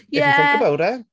Ie... If you think about it.